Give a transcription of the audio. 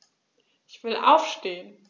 Ich will aufstehen.